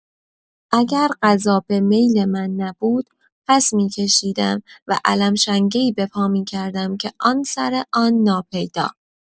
اگر غذا به میل من نبود، پس می‌کشیدم و الم شنگه‌ای به پا می‌کردم که آن سر آن ناپیدا.